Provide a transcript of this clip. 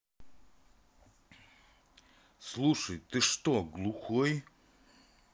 слушай ты что глухой